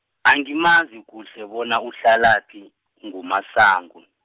angamazi kuhle bona uhlalaphi, nguMasango.